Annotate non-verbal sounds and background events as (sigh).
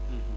(hesitation) (hesitation)